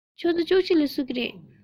ཆུ ཚོད བཅུ གཅིག ལ གསོད ཀྱི རེད